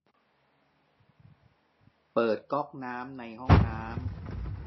เปิดก๊อกน้ำในห้องน้ำ